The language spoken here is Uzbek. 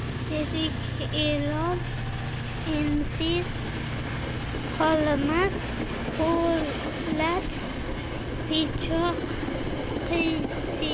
tirik ilon insiz qolmas po'lat pichoq qinsiz